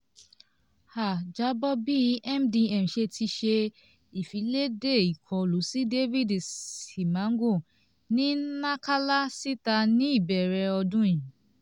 A jábọ̀ bí MDM ṣe ti ṣe ìfiléde ìkọlù sí David Simango ní Nacala síta ní ìbẹ̀rẹ̀ ọdún yìí.